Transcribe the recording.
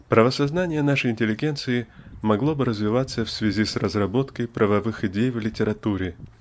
Правосознание нашей интеллигенции могло бы развиваться в связи с разработкой правовых идей в литературе.